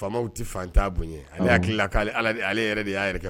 Faamaw tɛ fantan bonya ale hakili ale yɛrɛ de y'a yɛrɛ